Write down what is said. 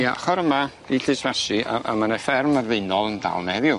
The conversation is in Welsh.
Ia ochor yma i Llysfasi a a ma' 'ne fferm Y Faenol yn dal 'ne heddiw.